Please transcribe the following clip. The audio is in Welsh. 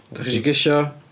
Dach chi isio gesio?